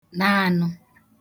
naànụ